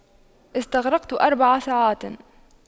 استغرقت أربع ساعات